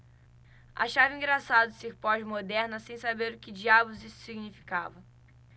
achava engraçado ser pós-moderna sem saber que diabos isso significava